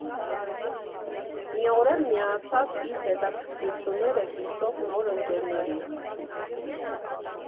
Մի օր էլ միացավ իր հետաքրքրությունները կիսող նոր ընկերներին։